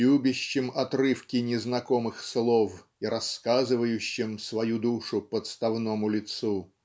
любящем отрывки незнакомых слов и рассказывающем свою душу подставному лицу"